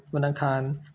วันอังคาร